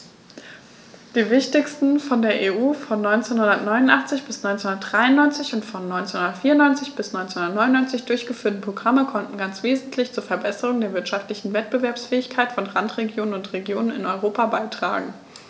Die wichtigsten von der EU von 1989 bis 1993 und von 1994 bis 1999 durchgeführten Programme konnten ganz wesentlich zur Verbesserung der wirtschaftlichen Wettbewerbsfähigkeit von Randregionen und Regionen in Europa beitragen.